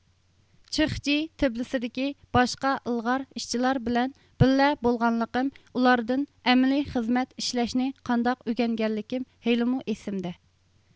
چىخجى تبىلىسدىكى باشقا ئىلغار ئىشچىلار بىلەن بىللە بولغانلىقىم ئۇلاردىن ئەمەلىي خىزمەت ئىشلەشنى قانداق ئۆگەنگەنلىكىم ھېلىمۇ ئېسىمدە